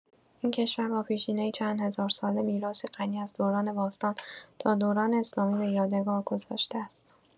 این کشور با پیشینه‌ای چند هزار ساله، میراثی غنی از دوران باستان تا دوران اسلامی به یادگار گذاشته است.